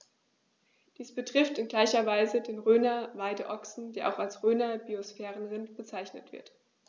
Dies betrifft in gleicher Weise den Rhöner Weideochsen, der auch als Rhöner Biosphärenrind bezeichnet wird.